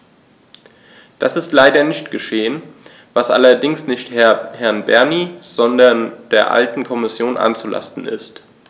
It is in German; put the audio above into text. Das ist leider nicht geschehen, was allerdings nicht Herrn Bernie, sondern der alten Kommission anzulasten ist.